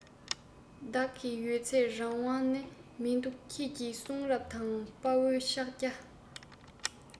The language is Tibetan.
བདག གི ཡོད ཚད རང དབང ན མི འདུག ཁྱེད ཀྱི གསུང རབ དང དཔའ བོའི ཕྱག རྒྱ